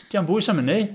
'Di o'm bwys am hynny!